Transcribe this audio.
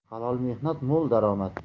halol mehnat mo'l daromad